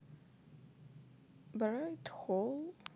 брайт холл